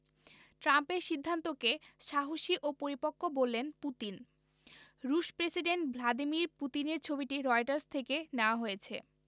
ট্রাম্পের সিদ্ধান্তকে সাহসী ও পরিপক্ব বললেন পুতিন রুশ প্রেসিডেন্ট ভ্লাদিমির পুতিনের ছবিটি রয়টার্স থেকে নেয়া হয়েছে